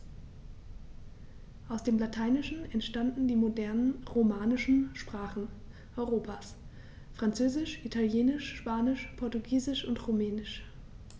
Aus dem Lateinischen entstanden die modernen „romanischen“ Sprachen Europas: Französisch, Italienisch, Spanisch, Portugiesisch und Rumänisch.